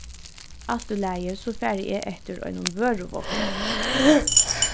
alt í lagi so fari eg eftir einum vøruvogni